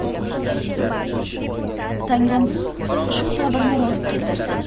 tangrim shu tabirni rost keltirsin